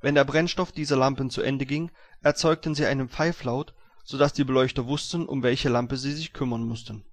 Wenn der Brennstoff dieser Lampen zu Ende ging, erzeugten sie einen Pfeiflaut, so dass die Beleuchter wussten, um welche Lampe sie sich kümmern mussten